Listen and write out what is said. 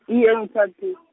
iye ngitjhadi- .